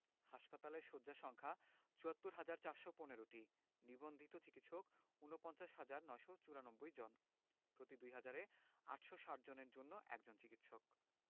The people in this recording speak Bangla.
হাসপাতালের শয্যা সংখ্যা ৭৪হাজার ৪১৫টি নিবন্ধিত চিকিৎসক ৪৯হাজার ৯৯৪ জন প্রতি ২হাজার ৮৬০ জনের জন্য একজন চিকিৎসক